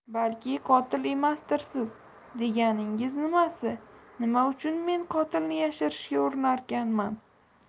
balki qotil emasdirsiz deganingiz nimasi nima uchun men qotilni yashirishga urinarkanman